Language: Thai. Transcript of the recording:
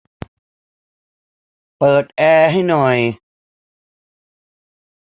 เปิดแอร์ให้หน่อย